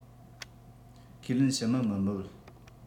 ཁས ལེན ཕྱི མི མི འབོད